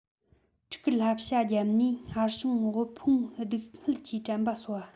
ཕྲུ གུར བསླབ བྱ བརྒྱབ ནས སྔར བྱུང དབུལ ཕོངས སྡུག བསྔལ གྱི དྲན པ གསོ བ